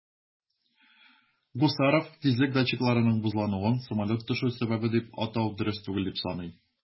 Гусаров тизлек датчикларының бозлануын самолет төшү сәбәбе дип атау дөрес түгел дип саный.